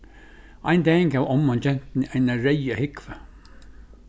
ein dagin gav omman gentuni eina reyða húgvu